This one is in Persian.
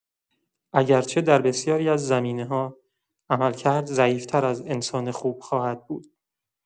اگرچه در بسیاری از زمینه‌ها، عملکرد ضعیف‌تر از انسان خوب خواهد بود!